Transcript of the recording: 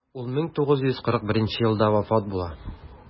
Ул 1941 елда вафат була.